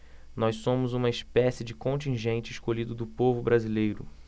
nós somos uma espécie de contingente escolhido do povo brasileiro